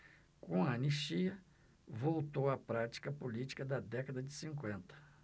com a anistia voltou a prática política da década de cinquenta